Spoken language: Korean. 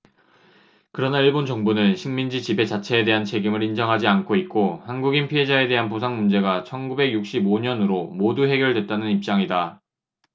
그러나 일본 정부는 식민지 지배 자체에 대한 책임을 인정하지 않고 있고 한국인 피해자에 대한 보상 문제가 천 구백 육십 오 년으로 모두 해결됐다는 입장이다